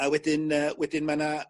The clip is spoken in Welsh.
a wedyn yy wedyn ma' 'na